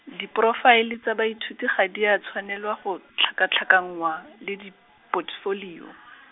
diporofaele tsa baithuti ga di a tshwanelwa go tlhakatlhakanngwa, le dipotefolio.